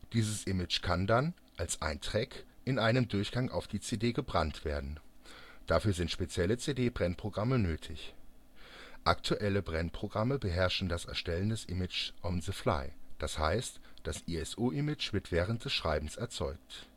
Dieses Image kann dann (als ein Track) in einem Durchgang auf die CD „ gebrannt “werden. Dafür sind spezielle CD-Brennprogramme nötig. Aktuelle Brennprogramme beherrschen das Erstellen des Images „ on-the-fly “, das heißt, das ISO-Image wird während des Schreibens erzeugt